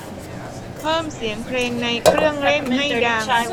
เพิ่มเสียงเพลงในเครื่องเล่นให้ดัง